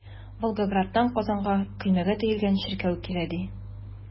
Волгоградтан Казанга көймәгә төялгән чиркәү килә, ди.